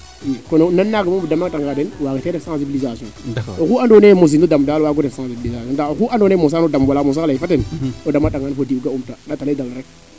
i kon nan naaga o dama tanga den waaga te ref sensiblisation oxu andaoo naye mosino dam rek wagu ref sensiblisation nda oxu andoo naye mosano dam wala mosa ley fa ten o dama tangan o di ga um ta a ndata le dal rek